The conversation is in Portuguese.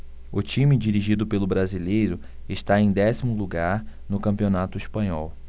o time dirigido pelo brasileiro está em décimo lugar no campeonato espanhol